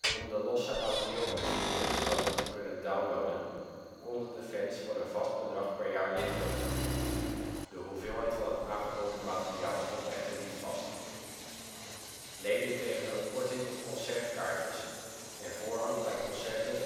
Om de losse audio - en videobestanden te kunnen downloaden konden de fans voor een vast bedrag per jaar lid worden. De hoeveelheid van het aangeboden materiaal stond echter niet vast. Leden kregen ook korting op concertkaartjes, en voorrang bij concerten